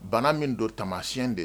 Bana min don tamasiyɛn de